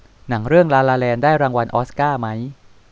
หนังเรื่องลาลาแลนด์ได้รางวัลออสการ์มั้ย